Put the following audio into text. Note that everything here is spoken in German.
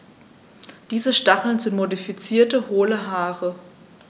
Diese Stacheln sind modifizierte, hohle Haare.